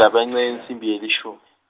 Igabence insimbi yelishumi.